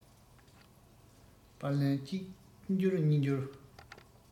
པར ལན གཅིག འབྱོར གཉིས འབྱོར